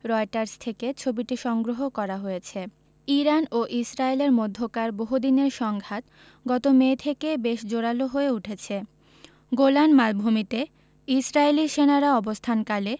Reuters থেকে ছবিটি সংগ্রহ করা হয়েছে ইরান ও ইসরায়েলের মধ্যকার বহুদিনের সংঘাত গত মে থেকে বেশ জোরালো হয়ে উঠেছে গোলান মালভূমিতে ইসরায়েলি সেনারা অবস্থানকালে